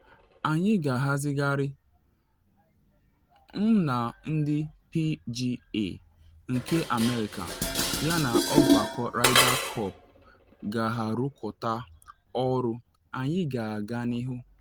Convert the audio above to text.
Anyị ga-ahazigharị, m na ndị PGA nke America yana Ọgbakọ Ryder Cup ga-arụkọta ọrụ, anyị ga-aga n’ihu.